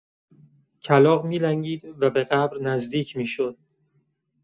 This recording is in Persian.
کلاغ می‌لنگید و به قبر نزدیک می‌شد.